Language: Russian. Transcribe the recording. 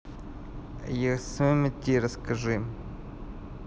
йосемити расскажи